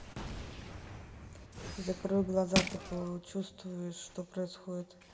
закрой глаза ты почувствуешь что происходит